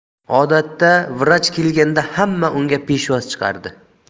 odatda vrach kelganda hamma unga peshvoz chiqardi